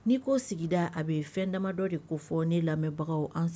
N' ko sigida a bɛ fɛn damadɔ de ko fɔ ne lamɛnbagaw an